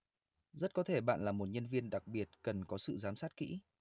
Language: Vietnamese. rất có thể bạn là một nhân viên đặc biệt cần có sự giám sát kỹ